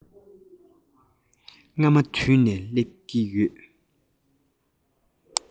རྔ མ དུད ནས སླེབས ཀྱི ཡོད